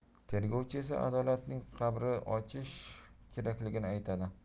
tergovchi esa adolatning qabrini ochish kerakligini aytadi